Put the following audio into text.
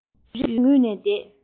ཡུན རིང ངུས ནས བསྡད